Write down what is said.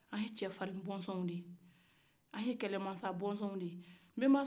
an ye cɛ farin bɔnsɔn de ye an ye kelɛ mansa bɔnsɔn de ye